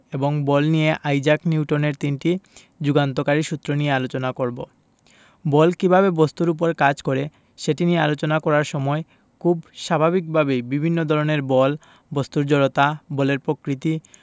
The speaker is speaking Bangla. এবং বল নিয়ে আইজাক নিউটনের তিনটি যুগান্তকারী সূত্র নিয়ে আলোচনা করব বল কীভাবে বস্তুর উপর কাজ করে সেটি নিয়ে আলোচনা করার সময় খুব স্বাভাবিকভাবেই বিভিন্ন ধরনের বল বস্তুর জড়তা বলের প্রকৃতি